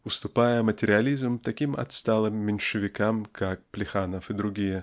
уступая материализм таким отсталым "меньшевикам" как Плеханов и др.